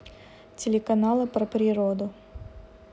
телеканалы про природу